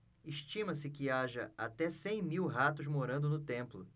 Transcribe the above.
estima-se que haja até cem mil ratos morando no templo